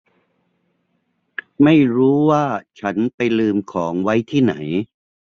ไม่รู้ว่าฉันไปลืมของไว้ที่ไหน